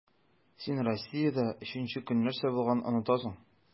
Син Россиядә өченче көн нәрсә булганын онытасың.